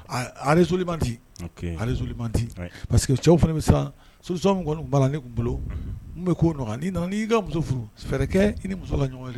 Alizlimanti alizlimanti parceri que cɛw fana bɛ sisansɔn kɔni bala ne bolo n bɛ'o'i nana n''i ka muso furu fɛrɛɛrɛkɛ i ni muso la ɲɔgɔn